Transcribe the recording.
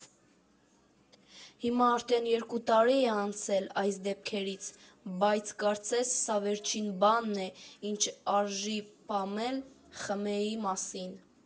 Հիմա արդեն երկու տարի է անցել այս դեպքերից, բայց կարծես սա վերջին բանն է, ինչ արժի պամել ԽՄԷ֊ի մասին։